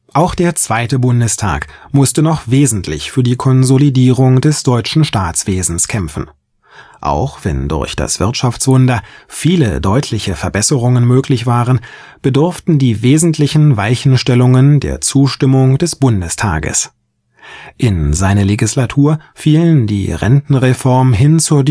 Auch der 2. Bundestag musste noch wesentlich für die Konsolidierung des deutschen Staatswesens kämpfen. Auch wenn durch das Wirtschaftswunder viele deutliche Verbesserungen möglich waren, bedurften die wesentlichen Weichenstellungen der Zustimmung des Bundestages. In seine Legislatur fielen die Rentenreform hin zur